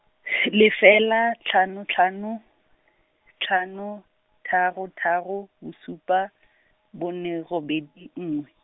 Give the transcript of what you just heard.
lefela tlhano tlhano, tlhano, tharo tharo, bosupa, bone robedi nngwe.